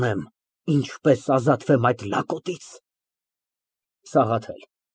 Նա տվեց, Բագրատ, բոլորը, ինչ որ ասում է նա ճշմարտություն է։ Ահ, այս միտքը կարող է ինձ խելքից հանել։ (Ընկճված անցուդարձ է անում։